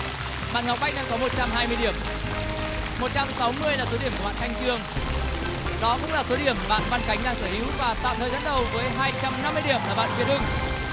bạn ngọc bách đang có một trăm hai mươi điểm một trăm sáu mươi là số điểm của bạn thanh chương đó cũng là số điểm bạn văn khánh đang sở hữu và tạm thời dẫn đầu với hai trăm năm mươi điểm là bạn việt hưng